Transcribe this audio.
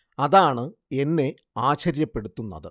അതാണ് എന്നെ ആശ്ചര്യപ്പെടുത്തുന്നത്